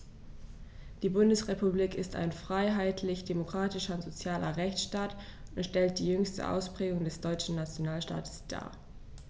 Die Bundesrepublik ist ein freiheitlich-demokratischer und sozialer Rechtsstaat und stellt die jüngste Ausprägung des deutschen Nationalstaates dar.